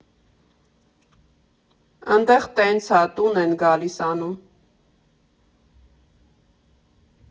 Ընդեղ տենց ա, տուն են գալիս անում։